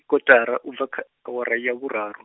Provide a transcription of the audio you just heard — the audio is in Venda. kotara u bva kha, awara ya vhuraru.